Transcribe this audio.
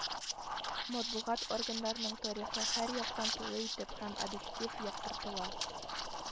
Матбугат органнарының тарихы һәр яктан тулы итеп һәм объектив яктыртыла